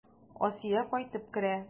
Асия кайтып керә.